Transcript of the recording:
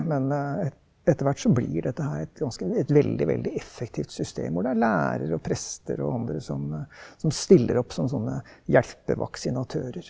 men etter hvert så blir dette her et ganske et veldig veldig effektivt system hvor det er lærere og prester og andre som som stiller opp som sånne hjelpevaksinatører.